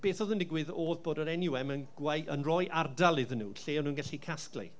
Beth oedd yn digwydd oedd bod yr NUM yn gweu- yn roi ardal iddyn nhw, lle o'n nhw'n gallu casglu.